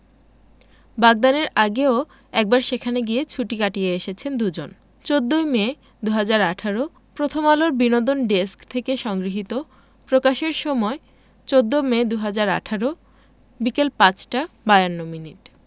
বাগদানের আগেও একবার সেখানে গিয়ে ছুটি কাটিয়ে এসেছেন দুজন ১৪ই মে ২০১৮ প্রথমআলোর বিনোদন ডেস্কথেকে সংগ্রহীত প্রকাশের সময় ১৪মে ২০১৮ বিকেল ৫টা ৫২ মিনিট